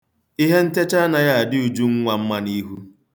Ihentecha anaghị adị Ujunwa mma n'ihu.